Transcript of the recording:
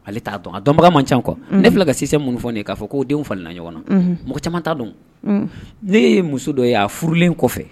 Ale t'a dɔn a dɔnbaga man ca kɔ ne fila ka sinse mun fɔ k'a fɔ k'o denwla ɲɔgɔn na mɔgɔ caman ta don ne ye muso dɔ ye a furulen kɔfɛ